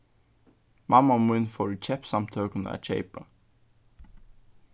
mamma mín fór í keypssamtøkuna at keypa